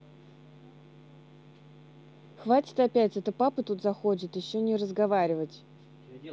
хватит опять это папа тут заходит еще не разговаривать